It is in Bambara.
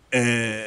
Ɛɛ